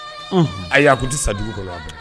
Un ayi a tun tɛ sa dugu kɔnɔ wa dɔn